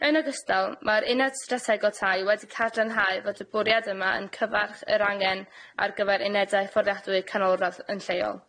Yn ogystal, mae'r Uned Strategol Tai wedi cadarnhau fod y bwriad yma yn cyfarch yr angen ar gyfer unedau fforddiadwy canolradd yn lleol.